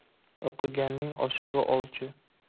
o'qiganning oshig'i olchi